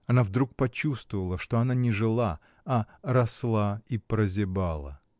Она вдруг почувствовала, что она не жила, а росла и прозябала.